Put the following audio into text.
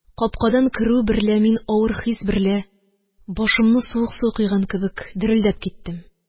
Капкадан керү берлә, мин авыр хис берлә, башымны суык су койган кебек дерелдәп киттем.